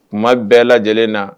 Kuma bɛɛ lajɛlen na